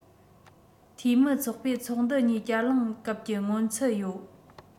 འཐུས མི ཚོགས པས ཚོགས འདུ གཉིས བསྐྱར གླེང སྐབས ཀྱི མངོན ཚུལ ཡོད